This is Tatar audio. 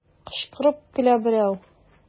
Кычкырып көлә берәү.